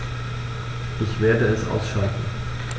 Ich werde es ausschalten